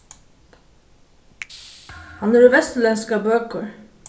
hann hevur vesturlendskar bøkur